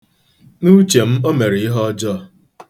N'uche m, o mere ihe ọjọọ.